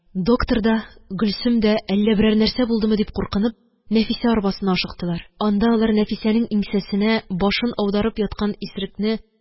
Доктор да, Гөлсем дә, әллә берәр нәрсә булдымы дип куркынып, Нәфисә арбасына ашыктылар. Анда алар Нәфисәнең иңсәсенә башын аударып яткан исерекне